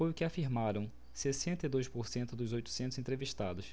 foi o que afirmaram sessenta e dois por cento dos oitocentos entrevistados